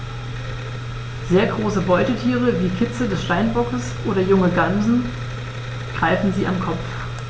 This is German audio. Sehr große Beutetiere wie Kitze des Steinbocks oder junge Gämsen greifen sie am Kopf.